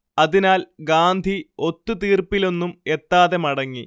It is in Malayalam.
അതിനാൽ ഗാന്ധി ഒത്ത് തീർപ്പിലൊന്നും എത്താതെ മടങ്ങി